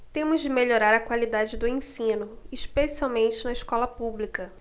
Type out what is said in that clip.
temos de melhorar a qualidade do ensino especialmente na escola pública